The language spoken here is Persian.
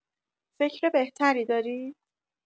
فکر بهتری داری؟